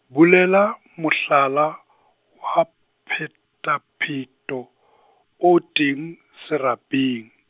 bolela, mohlala, wa phetapheto, o teng, serapeng.